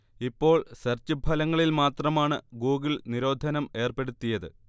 ഇപ്പോൾ സെർച്ച് ഫലങ്ങളിൽ മാത്രമാണ് ഗൂഗിൾ നിരോധനം ഏർപ്പെടുത്തിയത്